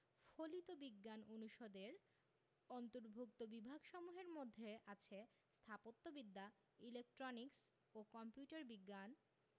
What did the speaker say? ফলিত বিজ্ঞান অনুষদের অন্তর্ভুক্ত বিভাগসমূহের মধ্যে আছে স্থাপত্যবিদ্যা ইলেকট্রনিক্স ও কম্পিউটার বিজ্ঞান